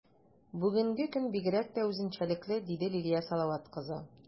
Бүгенге көн бигрәк тә үзенчәлекле, - диде Лилия Салават кызы.